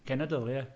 Cenedl, ie.